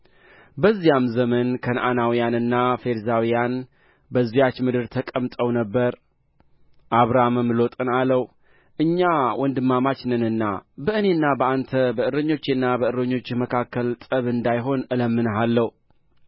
ምድር ሁሉ በፊትህ አይደለችምን ከእኔ ትለይ ዘንድ እለምንሃለሁ አንተ ግራውን ብትወስድ እኔ ወደ ቀኝ እሄዳለሁ አንተም ቀኙን ብትወስድ እኔ ወደ ግራ እሄዳለሁ